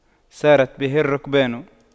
سارت به الرُّكْبانُ